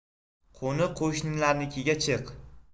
qo'ni qo'shnilarnikiga chiq